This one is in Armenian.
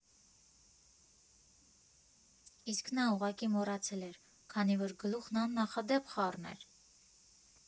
Իսկ նա ուղղակի մոռացել էր, քանի որ գլուխն աննախադեպ խառն էր։